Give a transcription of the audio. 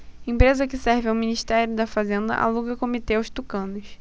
empresa que serve ao ministério da fazenda aluga comitê aos tucanos